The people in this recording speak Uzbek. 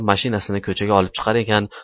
mashinasini ko'chaga olib chiqar ekan